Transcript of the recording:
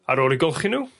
Ar ôl eu golchi n'w